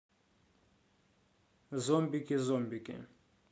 зомбики зомбики